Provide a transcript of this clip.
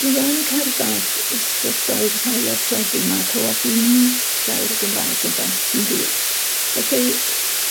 Dwi yn cerddad y strydoedd rhai o'r trefi 'ma a clywad dim gair o Gymraeg ynde dim byd felly